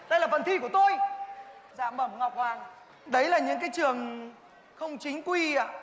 đây là phần thi của tôi dạ bẩm ngọc hoàng đấy là những cái trường không chính quy ạ